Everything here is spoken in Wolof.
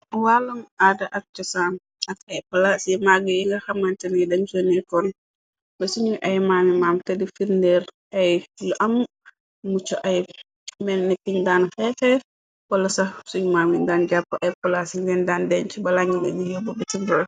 wallam aada ak cosan ak ay polaas yi magg yi nga xamanten yi dañu sonuykoon be suñuy ay mannimaam te di firndeer ay lu am muccu ay melnitiñ daan xeefeer polasax suñu mami daan jàpp ay polas yi geen daan deeñ c balangine ni yobb bitberaw.